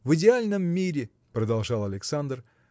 В идеальном мире (продолжал Александр)